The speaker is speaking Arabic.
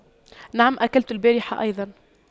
نعم أكلت البارحة أيضا